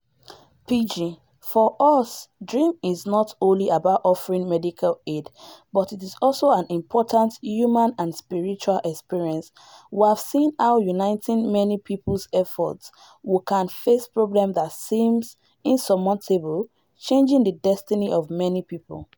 PG: For us DREAM is not only about offering medical aid but it is also an important human and spiritual experience: we have seen how uniting many people's efforts we can face problems that seem insurmountable, changing the destiny of many people.